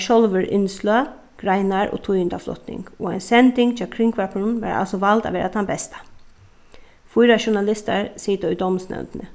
sjálvir innsløg greinar og tíðindaflutning og ein sending hjá kringvarpinum varð altso vald at vera tann besta fýra journalistar sita í dómsnevndini